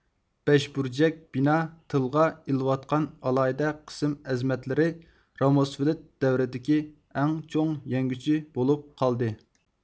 بەشبۇرجەك بىنا تىلغا ئېلىۋاتقان ئالاھىدە قىسىم ئەزىمەتلىرى رامۇسفېلد دەۋرىدىكى ئەڭ چوڭ يەڭگۈچى بولۇپ قالدى